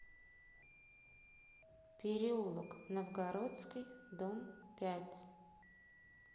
переулок новгородский дом пять